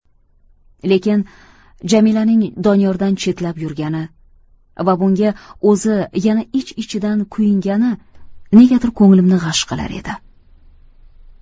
lekin jamilaning doniyordan chetlab yurgani va bunga o'zi yana ich ichidan kuyingani negadir ko'nglimni g'ash qilar edi